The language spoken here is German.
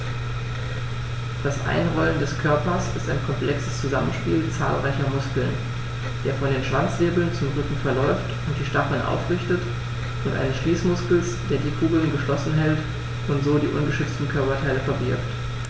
Das Einrollen des Körpers ist ein komplexes Zusammenspiel zahlreicher Muskeln, der von den Schwanzwirbeln zum Rücken verläuft und die Stacheln aufrichtet, und eines Schließmuskels, der die Kugel geschlossen hält und so die ungeschützten Körperteile verbirgt.